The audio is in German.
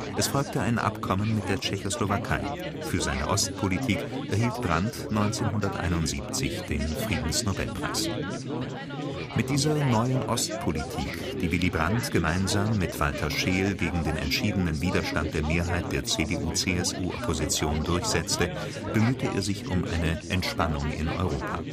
Es folgte ein Abkommen mit der Tschechoslowakei. Für seine Ostpolitik erhielt Brandt 1971 den Friedensnobelpreis. Mit dieser „ Neuen Ostpolitik “, die Willy Brandt gemeinsam mit Walter Scheel gegen den entschiedenen Widerstand der Mehrheit der CDU/CSU-Opposition durchsetzte, bemühte er sich um eine „ Entspannung in Europa